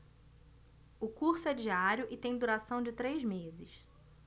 o curso é diário e tem duração de três meses